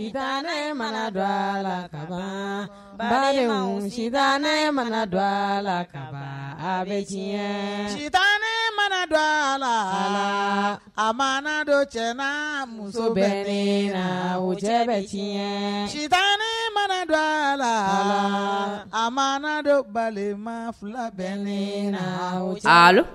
Tura mana dɔ a la ka balo mana dɔ a la ka bɛ sita ne mana dɔ a la a ma dɔ cɛ muso bɛ ne la o cɛ bɛ sita ne mana dɔ a la a ma dɔ balima fila bɛ ne la sa